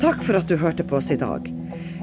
takk for at du hørte på oss i dag.